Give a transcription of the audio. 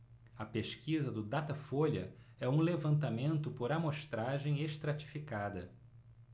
a pesquisa do datafolha é um levantamento por amostragem estratificada